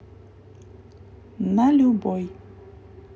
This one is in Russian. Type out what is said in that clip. на любой